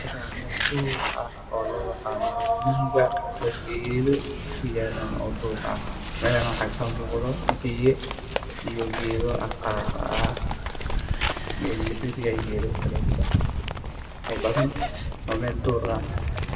Waa meel duur ah oo banaan ah waxaa ka baxaayo geeda cagaaran waana baadiyo